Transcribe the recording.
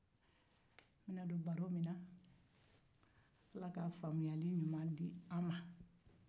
an bɛna don baro min na ala k'a faamuyali ɲuman di an ma